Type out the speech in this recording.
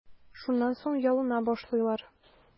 Шуннан соң ялына башлыйлар.